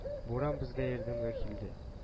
Буран безгә ярдәмгә килде